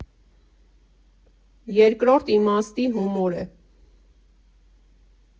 Երկրորդ իմաստի հումոր է։